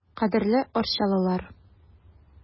Кадерле арчалылар!